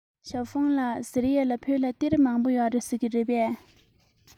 ཞའོ ཧྥུང ལགས ཟེར ཡས ལ བོད ལ གཏེར མང པོ ཡོད རེད ཟེར གྱིས རེད པས